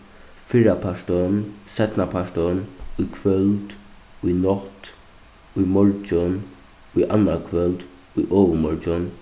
fyrrapartin seinnapartin í kvøld í nátt í morgin í annaðkvøld í ovurmorgin